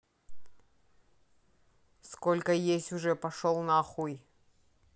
сколько есть уже пошел нахуй